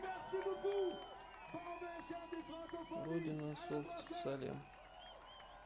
родина форт салем